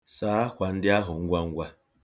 Saa akwa ndị ahụ ngwa ngwa.